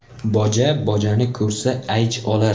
boja bojani ko'rsa ayj olar